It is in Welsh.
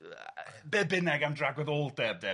Yy yy be' bynnag am dragwyddoldeb de?